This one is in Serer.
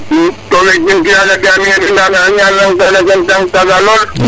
*